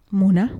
Mun